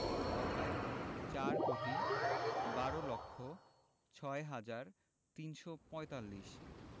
কথায়ঃ চার কোটি বার লক্ষ ছয় হাজার তিনশো পঁয়তাল্লিশ